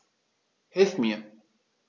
Hilf mir!